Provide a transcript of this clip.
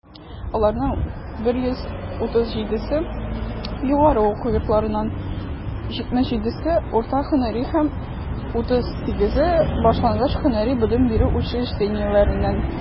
Аларның 137 се - югары уку йортларыннан, 77 - урта һөнәри һәм 38 башлангыч һөнәри белем бирү учреждениеләреннән.